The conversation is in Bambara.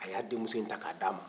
a y'a denmuso in ta k'a d'a ma